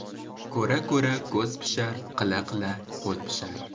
ko'ra ko'ra ko'z pishar qila qila qo'l pishar